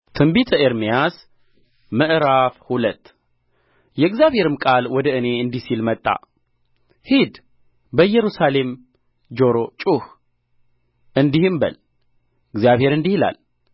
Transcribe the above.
ትንቢተ ኤርምያስ ምዕራፍ ሁለት የእግዚአብሔርም ቃል ወደ እኔ እንዲህ ሲል መጣ ሂድ በኢየሩሳሌም ጆሮ ጩኽ እንዲህም በል እግዚአብሔር እንዲህ ይላል